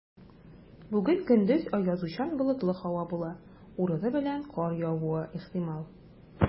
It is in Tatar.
Бүген көндез аязучан болытлы һава була, урыны белән кар явуы ихтимал.